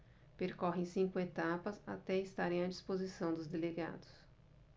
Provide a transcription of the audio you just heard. percorrem cinco etapas até estarem à disposição dos delegados